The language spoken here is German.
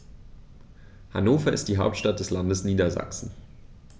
Hannover ist die Hauptstadt des Landes Niedersachsen.